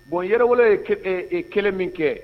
Bon yɛrɛolo ye kelen min kɛ